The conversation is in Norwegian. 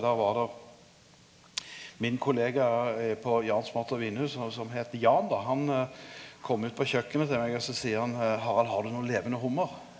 der var der min kollega på Jans mat og vinhus han som het Jan då han kom ut på kjøkkenet til meg og så seier han Harald, har du nokon levande hummar?